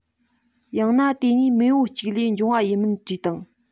ཡང ན དེ གཉིས མེས པོ གཅིག ལས འབྱུང བ ཡིན མིན དྲིས དང